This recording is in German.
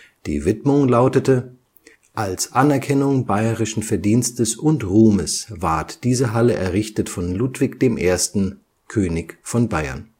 Die Widmung lautete: „ Als Anerkennung bayerischen Verdienstes und Ruhmes ward diese Halle errichtet von Ludwig I., König von Bayern